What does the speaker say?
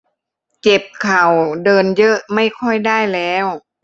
เจ็บเข่าเดินเยอะไม่ค่อยได้แล้ว